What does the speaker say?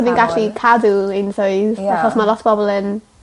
byddwn ni gallu cadw ein swyd. Ie. Achos ma' lot bobol yn